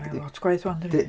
Mae o lot gwaeth 'wan yn dydi?